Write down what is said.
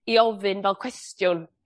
'i ofyn fel cwestiwn